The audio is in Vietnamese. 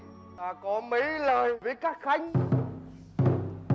với các khanh chúng ta